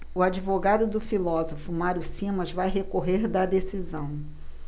o advogado do filósofo mário simas vai recorrer da decisão